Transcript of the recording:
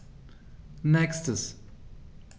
Nächstes.